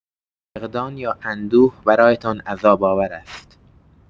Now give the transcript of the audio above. فقدان یا اندوه برایتان عذاب‌آور است.